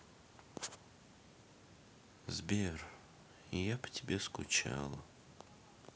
сбер я по тебе скучала